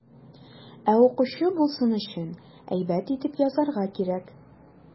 Ә укучы булсын өчен, әйбәт итеп язарга кирәк.